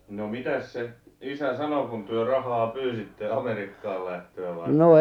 no mitäs se isä sanoi kun te rahaa pyysitte Amerikkaan lähtöä varten